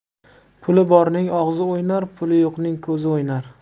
puli borning og'zi o'ynar puli yo'qning ko'zi o'ynar